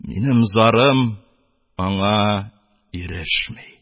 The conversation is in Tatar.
Минем зарым аңа ирешми!